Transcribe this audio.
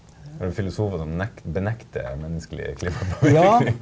har du filosofer som benekter menneskelig klimapåvirkning?